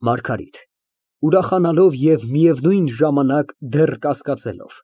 ՄԱՐԳԱՐԻՏ ֊ (Ուրախանալով և, միևնույն ժամանակ, դեռ կասկածելով)։